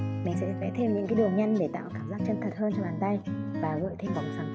mình sẽ vẽ thêm những đường men để tạo cảm giác chân thật hơn cho bàn tay và tiện đánh thêm sáng tối